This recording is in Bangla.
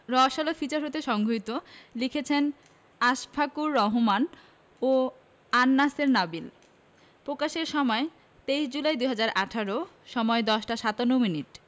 রসআলো ফিচার হতে সংগৃহীত লিখেছেনঃ আশফাকুর রহমান ও আন্ নাসের নাবিল প্রকাশের সময়ঃ ২৩ জুলাই ২০১৮ সময়ঃ ১০টা ৫৭ মিনিট